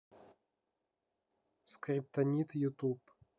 скриптонит ютуб